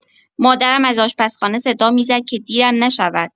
مادرم از آشپزخانه صدا می‌زد که دیرم نشود.